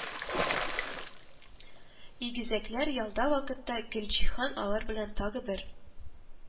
Игезәкләр ялда вакытта Гөлҗиһан алар белән тагы бер